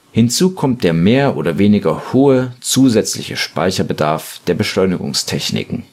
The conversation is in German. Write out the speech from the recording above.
Hinzu kommt der mehr oder weniger hohe zusätzliche Speicherbedarf der Beschleunigungstechniken